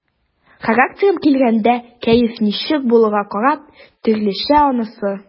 Характерыма килгәндә, кәеф ничек булуга карап, төрлечә анысы.